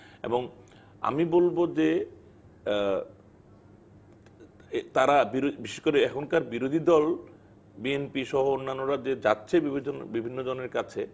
এবং আমি বলব যে তারা বিশেষ করে এখনকার বিরোধী দল বিএনপিসহ অন্যান্য রাজ্যে যাচ্ছে বিভিন্ন জনের কাছে